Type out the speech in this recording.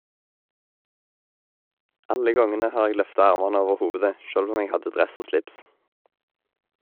Alle gongene har eg løfta armane over hovudet, sjølv om eg hadde dress og slips.